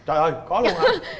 trời ơi có luôn hả